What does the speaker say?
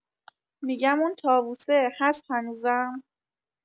می‌گم اون طاووسه هس هنوزم؟